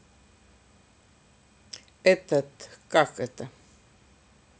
этот как это